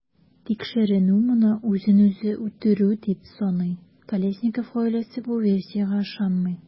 Тикшеренү моны үзен-үзе үтерү дип саный, Колесников гаиләсе бу версиягә ышанмый.